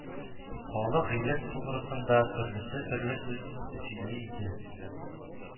Халык гыйлем тугрысында төрлесе төрле сүз сөйли иде